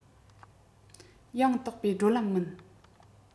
ཡང དག པའི བགྲོད ལམ མིན